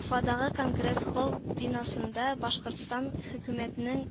Уфадагы Конгресс-холл бинасында Башкортстан хөкүмәтенең